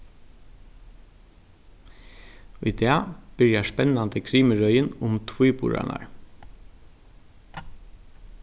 í dag byrjar spennandi krimirøðin um tvíburarnar